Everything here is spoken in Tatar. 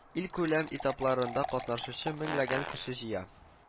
Илкүләм этапларында катнашучы меңләгән кешене җыя